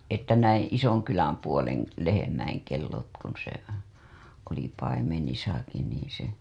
että näin Isonkylän puolen lehmien kellot kun se oli paimenissakin niin se